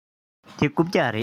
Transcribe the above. འདི རྐུབ བཀྱག རེད